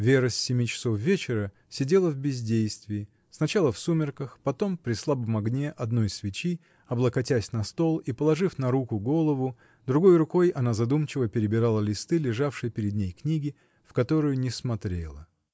Вера с семи часов вечера сидела в бездействии, сначала в сумерках, потом при слабом огне одной свечи, облокотясь на стол и положив на руку голову, другой рукой она задумчиво перебирала листы лежавшей перед ней книги, в которую не смотрела.